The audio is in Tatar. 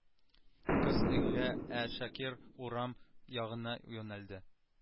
Кыз өйгә ә шакир урам ягына юнәлде